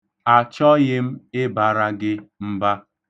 Achọghị m ịbara gị mba.